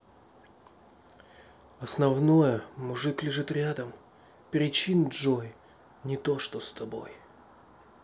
основное мужик лежит рядом причин джой не то что с тобой